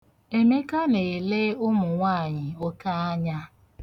Emeka na-ele ụmụ nwaanyị oke anya.